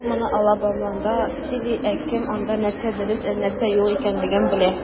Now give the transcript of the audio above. Ул моны Алабамада сөйли, ә кем анда, нәрсә дөрес, ә нәрсә юк икәнлеген белә?